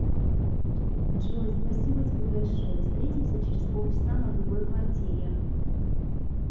джой спасибо тебе большое встретимся через полчаса на другой квартире